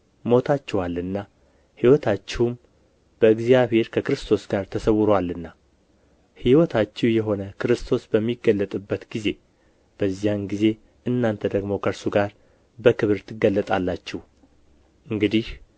ሞታችኋልና ሕይወታችሁም በእግዚአብሔር ከክርስቶስ ጋር ተሰውሮአልና ሕይወታችሁ የሆነ ክርስቶስ በሚገለጥበት ጊዜ በዚያን ጊዜ እናንተ ደግሞ ከእርሱ ጋር በክብር ትገለጣላችሁ እንግዲህ